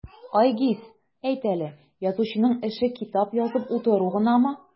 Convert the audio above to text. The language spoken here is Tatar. Айгиз, әйт әле, язучының эше китап язып утыру гынамы?